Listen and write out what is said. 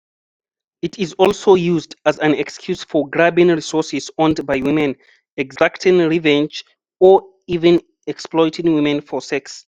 It is also used as an excuse for grabbing resources owned by women, exacting revenge or even exploiting women for sex.